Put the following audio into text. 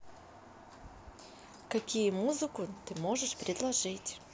какие музыку ты можешь предложить